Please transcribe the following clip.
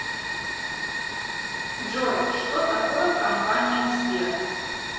джой что такое компания сбер